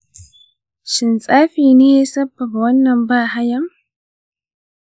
shin tsafi ne ya sabbada wannan bahayan?